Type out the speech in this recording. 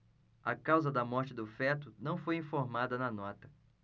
a causa da morte do feto não foi informada na nota